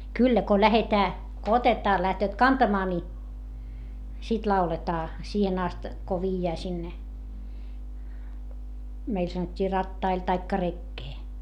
kyllä kun lähdetään kun otetaan lähtevät kantamaan niin sitten lauletaan siihen asti kun viedään sinne meillä sanottiin rattaille tai rekeen